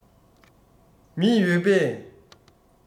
མི ཡོད པས